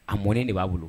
A mɔnen de b'a bolo.